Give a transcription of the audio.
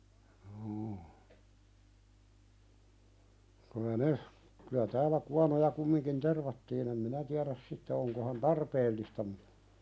juu kyllä ne kyllä täällä kuonoja kumminkin tervattiin en minä tiedä sitten onko hän tarpeellista mutta